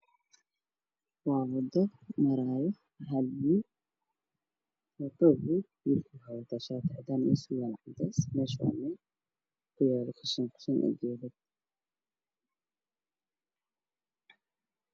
Waa wado uu maraayo hal wiil wuxuu wataa shaati cadaan io surwaal cadaan mesha waa laamiku yaalo mesha qashinka